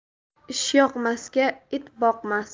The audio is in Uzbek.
ishyoqmasga it boqmas